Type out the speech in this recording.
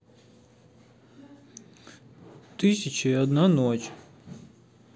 тысяча и одна ночь